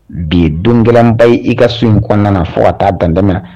Bi ye don gɛlɛnba ye i ka sun in kɔnɔna na fo ka taa dan damina.